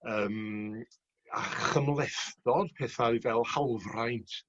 yym a chymlethdod pethau fel hawfraint